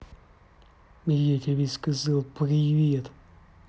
я тебе сказал привет